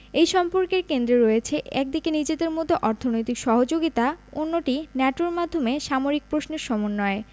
এই সম্পর্কের কেন্দ্রে রয়েছে একদিকে নিজেদের মধ্যে অর্থনৈতিক সহযোগিতা অন্যদিকে ন্যাটোর মাধ্যমে সামরিক প্রশ্নে সমন্বয়